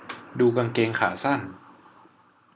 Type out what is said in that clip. ดูกางเกงขาสั้น